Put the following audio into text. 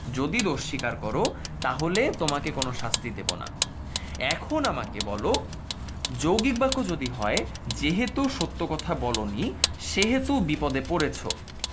যদি দোষ স্বীকার কর তাহলে তোমাকে কোন শাস্তি দিব না এখন আমাকে বলো যৌগিক বাক্য যদি হয় যেহেতু সত্য কথা বলোনি সেহেতু বিপদে পড়েছ